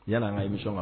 Yan n kami sɔn kan